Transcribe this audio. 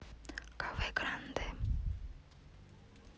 кафе гранде